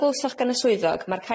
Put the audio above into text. glywsoch gan y swyddog, ma'r cais